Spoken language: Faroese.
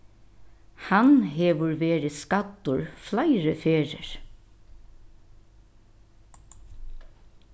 hann hevur verið skaddur fleiri ferðir